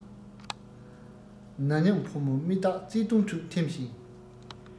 ན མཉམ ཕོ མོ མི རྟག བརྩེ དུངས ཁྲོད འཐིམས ཤིང